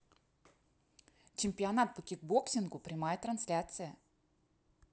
чемпионат по кикбоксингу прямая трансляция